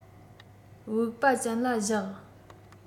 བུག པ ཅན ལ བཞག